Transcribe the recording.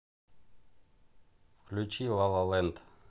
включи ла ла лэнд